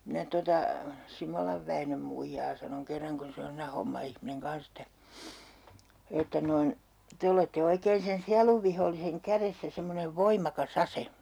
minä tuota Simolan Väinön muijaa sanoin kerran kun se on siinä hommaihminen kanssa että että noin te olette oikein sen sielunvihollisen kädessä semmoinen voimakas ase